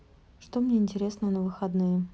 что мне интересно на выходные